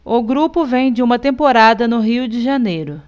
o grupo vem de uma temporada no rio de janeiro